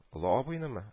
Олы абыйнымы